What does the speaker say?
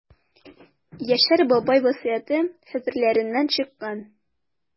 Яшәр бабай васыяте хәтерләреннән чыккан.